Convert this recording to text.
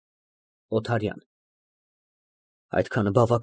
ՕԹԱՐՅԱՆ ֊ Բավական է այդքան։